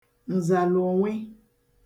ǹzàlụ̀ònwe